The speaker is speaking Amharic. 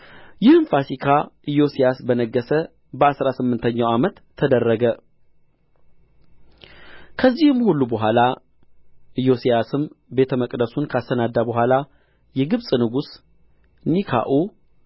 ይህም ፋሲካ ኢዮስያስ በነገሠ በአሥራ ስምንተኛው ዓመት ተደረገ ከዚህም ሁሉ በኋላ ኢዮስያስም ቤተ መቅደሱን ካሰናዳ በኋላ የግብጽ ንጉሥ ኒካዑ